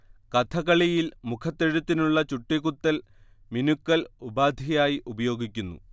കഥകളിയിൽ മുഖത്തെഴുത്തിനുള്ള ചുട്ടികുത്തൽ മിനുക്കൽ ഉപാധിയായി ഉപയോഗിക്കുന്നു